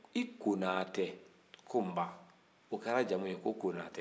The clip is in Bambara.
i konatɛ o kɛra a jamu ye ko konatɛ